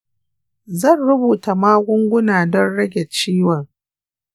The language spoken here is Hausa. zan rubuta magunguna don rage ciwon.